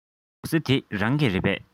སྒྲོག རྩེ འདི རང གི རེད པས